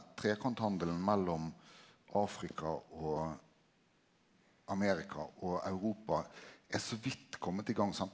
trekanthandelen mellom Afrika og Amerika og Europa er så vidt komme i gong sant.